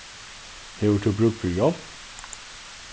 hevur tú brúk fyri hjálp